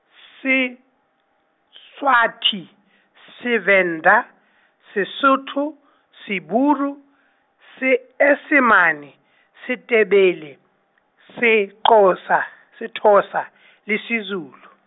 Seswati , Sevenda , Sesotho , Seburu, Seesemane , Setebele, Sexhosa Sethosa , le Sezulu.